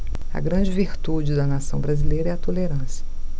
a grande virtude da nação brasileira é a tolerância